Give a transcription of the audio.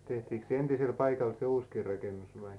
tehtiinkös se entiselle paikalle se uusikin rakennus vai